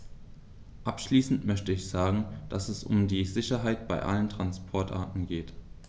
Abschließend möchte ich sagen, dass es um die Sicherheit bei allen Transportarten geht.